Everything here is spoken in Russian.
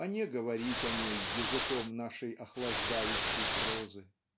а не говорить о ней языком нашей охлаждающей прозы.